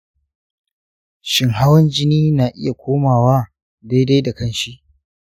shin hawan jini na iya komawa daidai da kanshi?